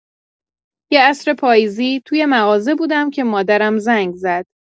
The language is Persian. یه عصر پاییزی، توی مغازه بودم که مادرم زنگ زد.